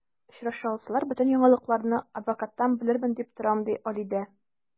Очраша алсалар, бөтен яңалыкларны адвокаттан белермен дип торам, ди Алидә.